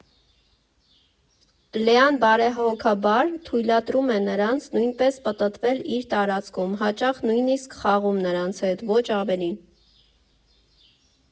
Լեան բարեհոգաբար թույլատրում է նրանց նույնպես պտտվել իր տարածքում, հաճախ նույնիսկ խաղում նրանց հետ, ոչ ավելին։